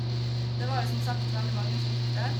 Det var jo som sagt veldig mange som gikk der.